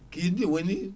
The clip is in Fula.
kindi woni